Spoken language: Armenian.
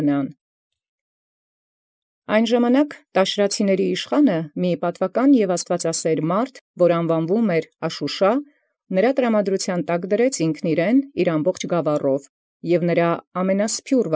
Յայնժամ իշխանին Տաշրացւոց, առն պատուականի և աստուածասիրի, որ անուանեալ կոչէր Աշուշայ, ի ձեռն տայր նմա զանձն ամենայն գաւառովն իւրով. և նորա ամենսփիւռ։